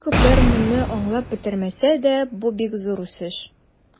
Бик күпләр моны аңлап бетермәсә дә, бу бик зур үсеш.